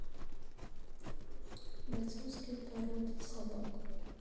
бойцовские породы собак